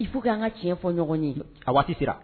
Il faut que an ŋa tiɲɛ fɔ ɲɔgɔn ye a waati sera